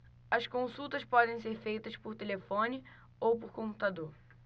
as consultas podem ser feitas por telefone ou por computador